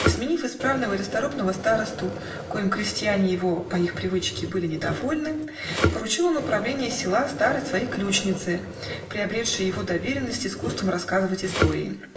Сменив исправного и расторопного старосту, коим крестьяне его (по их привычке) были недовольны, поручил он управление села старой своей ключнице, приобретшей его доверенность искусством рассказывать истории.